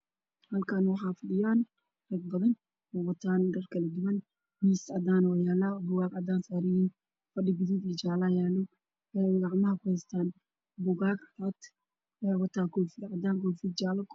Halkaan waxaa fadhiyaan dad badan oo wataan dhar kale duwan miis cadaan ah horyaalo buugag cadaan saaran yihiin, fadhi gaduud iyo jaale ah ayaa yaalo, waxay gacmaha kuheystaan buugaag , waxay wataan koofi cadaan ah iyo koofi jaale.